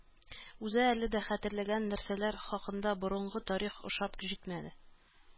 Үзе әле дә хәтерләгән нәрсәләр хакында борынгы тарих ошап җитмәде